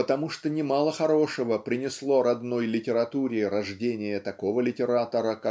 потому что немало хорошего принесло родной литературе рождение такого литератора